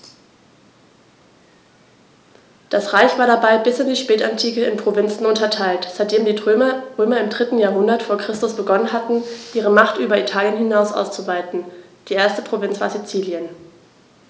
Das Reich war dabei bis in die Spätantike in Provinzen unterteilt, seitdem die Römer im 3. Jahrhundert vor Christus begonnen hatten, ihre Macht über Italien hinaus auszuweiten (die erste Provinz war Sizilien).